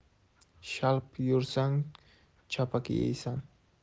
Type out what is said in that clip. shalp yursang shapaki yersan